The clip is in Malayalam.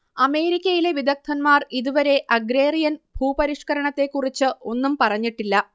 അമേരിക്കയിലെ വിദഗ്ധൻമാർ ഇതുവരെ അർഗ്രാരിയൻ ഭൂപരിഷ്കരണത്തെക്കുറിച്ച് ഒന്നും പറഞ്ഞിട്ടില്ല